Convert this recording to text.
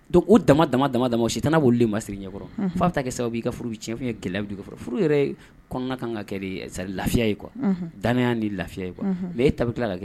Donc o dama dama dama dama sitanɛ b'olu de maasiri ɲɛkɔrɔ unhun f'a bɛ taa kɛ sababu i ka furu bɛ cɛn ou bien igɛlɛya bi don furu furu yɛrɛ ye kɔnɔna kaan ka kɛ dee c'est à dire lafiya ye quoi unhun danaya ni lafiya quoi unhun mais _ e ta bɛ kla ka kɛ